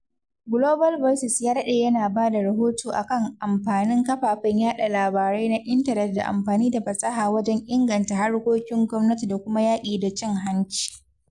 Global Voices ya daɗe yana ba da rahoto a kan amfanin kafafen yaɗa labarai na intanet da amfani da fasaha wajen inganta harkokin gwamnati da kuma yaƙi da cin-hanci.